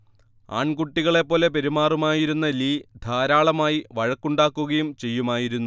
ആൺകുട്ടികളെപ്പോലെ പെരുമാറുമായിരുന്ന ലീ ധാരാളമായി വഴക്കുണ്ടാക്കുകയും ചെയ്യുമായിരുന്നു